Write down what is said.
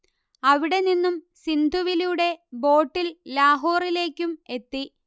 അവിടെനിന്നും സിന്ധുവിലൂടെ ബോട്ടിൽ ലാഹോറിലേക്കും എത്തി